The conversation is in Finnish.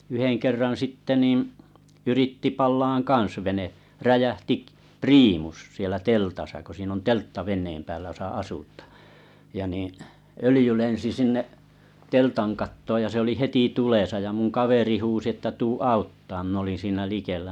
yhden kerran sitten niin yritti palamaan kanssa vene räjähti - priimus siellä teltassa kun siinä on teltta veneen päällä jossa asutaan ja niin öljy lensi sinne teltan kattoon ja se oli heti tulessa ja minun kaveri huusi että tule auttamaan minä olin siinä likellä